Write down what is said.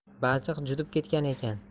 balchiq jutib ketgan ekan